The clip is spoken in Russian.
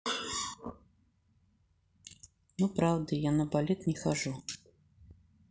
ну правда я на балет не хожу